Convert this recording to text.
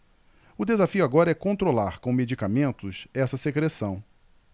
o desafio agora é controlar com medicamentos essa secreção